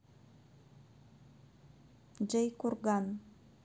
j курган